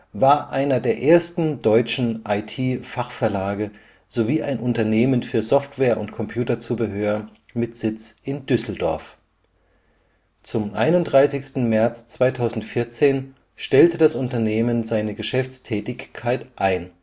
war einer der ersten deutschen IT-Fachverlage sowie ein Unternehmen für Software und Computerzubehör mit Sitz in Düsseldorf. Zum 31. März 2014 stellte das Unternehmen seine Geschäftstätigkeit ein